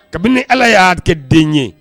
Kabini Ala y'a kɛ den ye